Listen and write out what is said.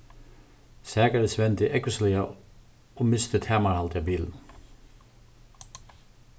sakaris vendi ógvusliga og misti tamarhaldið á bilinum